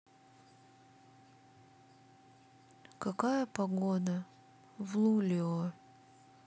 какая погода в лулио